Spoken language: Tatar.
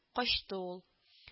Качты ул